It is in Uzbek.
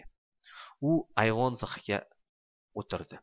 u ayvon zixiga o'tirdi